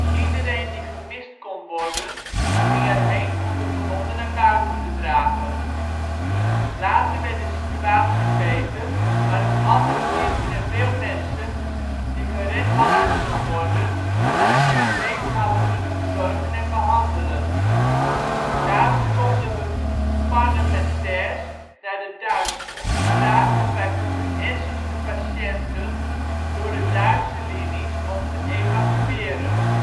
Iedereen die gemist kon worden, ging erheen om de gewonden naar buiten te brengen. Later werd de situatie beter, maar nog altijd stierven er veel mensen, die gered hadden kunnen worden als we ze beter hadden kunnen verzorgen en behandelen. Daarom zonden we parlementairs naar de Duitsers om te vragen of wij onze ernstigste patiënten door de Duitse linies mochten evacueren